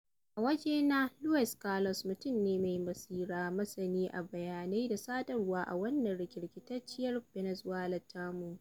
A wajena, Luis Carlos mutum ne mai basira, masani a bayanai da sadarwa a wannan rikirkitacciyar ɓenezuelan tamu.